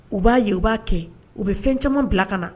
U b'a ye u b'a kɛ u bɛ fɛn caman bila ka na